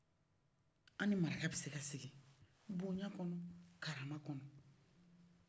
anw ni maraka bɛ se ka sigi bɔɲan kɔnɔ karamakɔnɔ